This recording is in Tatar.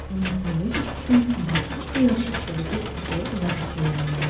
Ә умырзая чәчәген "батыр кояш чәчәге" дип атау гадәткә әйләнгән.